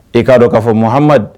E k'a dɔn k'a fɔ maha